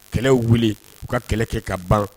Kɛlɛ wele u ka kɛlɛ kɛ ka baara